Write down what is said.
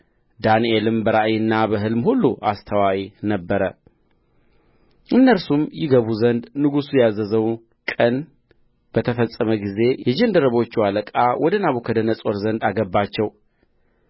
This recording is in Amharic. ዳንኤልም በራእይና በሕልም ሁሉ አስተዋይ ነበረ እነርሱም ይገቡ ዘንድ ንጉሡ ያዘዘው ቀን በተፈጸመ ጊዜ የጃንደረቦቹ አለቃ ወደ ናቡከደነፆር ዘንድ አገባቸው